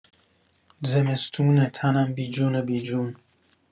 زمستونه تنم بی جون بی جون